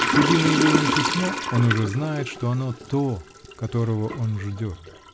приди на его имя письмо -- он уже знает, что оно то, которого он ждет.